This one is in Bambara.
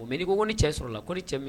O mɛ nii ko ni cɛ sɔrɔ la ko ni cɛ min